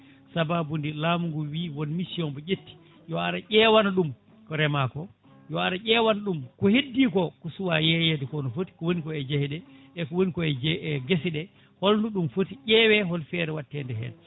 saababude laamu ngu wi won mission mon ƴeeti yo ar o ƴewaɗum ko remako yo ar o ƴewana ɗum ko heddi ko ko suwa yeyede ko foti koni o e jaaheɗe e ko woniko e jee e gueseɗe holno ɗum foti ƴewi hol feere wattede hen